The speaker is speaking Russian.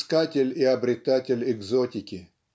искатель и обретатель экзотики.